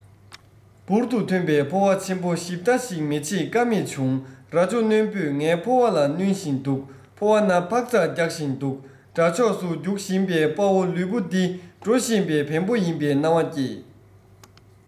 འབུར དུ ཐོན པའི ཕོ བ ཆེན པོ ཞིབ ལྟ ཞིག མི བྱེད ཀ མེད བྱུང རྭ ཅོ རྣོན པོས ངའི ཕོ བ ལ བསྣུན བཞིན འདུག ཕོ བ ན འཕག འཚག རྒྱག བཞིན འདུག དགྲ ཕྱོགས སུ རྒྱུག བཞིན པའི དཔའ བོ ལུས པོ འདི འགྲོ ཤེས པའི བེམ པོ ཡིན པའི སྣང བ སྐྱེས